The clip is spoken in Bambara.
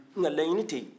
nka laɲinin tɛ yen